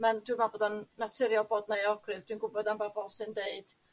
ma'n dwi meddwl bod o'n naturiol bod 'na euogrwydd dwi'n gwbod am bobl sy'n deud